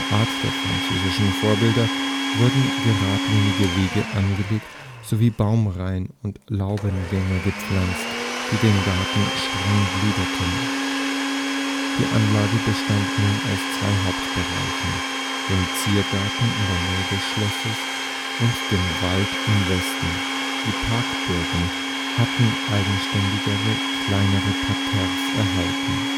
Art der französischen Vorbilder wurden geradlinige Wege angelegt sowie Baumreihen und Laubengänge gepflanzt, die den Garten streng gliederten. Die Anlage bestand nun aus zwei Hauptbereichen, dem Ziergarten in der Nähe des Schlosses und dem Wald im Westen; die Parkburgen hatten eigenständige, kleinere Parterres erhalten